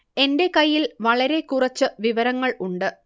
എന്റെ കയ്യിൽ വളരെ കുറച്ച് വിവരങ്ങൾ ഉണ്ട്